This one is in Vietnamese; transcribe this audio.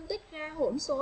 phân tích ra hỗn số